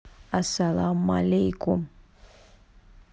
ассаламу алейкум